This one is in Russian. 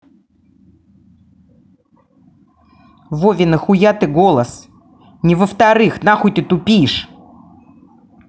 вове нахуя ты голос не во вторых нахуй ты тупишь